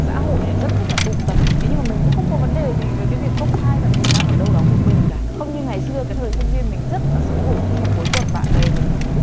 rất thích tụ tập thế nhưng mà mình cũng không có vấn đề gì với cái việc công khai rằng mình đang ở đâu đó một mình cả không như ngày xưa cái thời sinh viên mình rất là xấu hổ nếu mà cuối tuần bạn bè mình trong kí túc xá